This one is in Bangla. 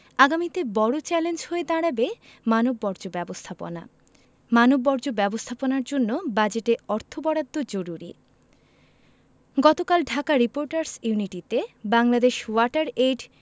আগামীতে বড় চ্যালেঞ্জ হয়ে দাঁড়াবে মানববর্জ্য ব্যবস্থাপনা মানববর্জ্য ব্যবস্থাপনার জন্য বাজেটে অর্থ বরাদ্দ জরুরি গতকাল ঢাকা রিপোর্টার্স ইউনিটিতে বাংলাদেশ ওয়াটার এইড